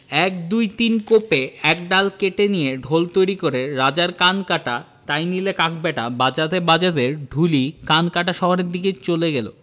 এক দুই তিন কোপে একটা ডাল কেটে নিয়ে ঢোল তৈরি করে ‘রাজার কান কাটা তাই নিলে কাক ব্যাটা বাজাতে বাজাতে ঢুলি কানকাটা শহরের দিকে চলে গেল